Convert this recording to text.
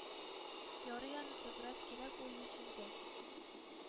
Ярый анысы, бераз кирәк ул юньсезгә...